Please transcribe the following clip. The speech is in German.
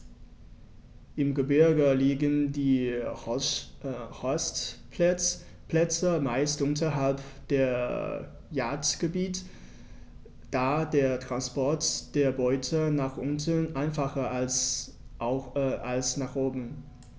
Im Gebirge liegen die Horstplätze meist unterhalb der Jagdgebiete, da der Transport der Beute nach unten einfacher ist als nach oben.